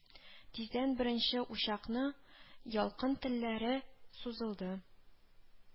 Тиздән беренче учакны ялкын телләре сузылды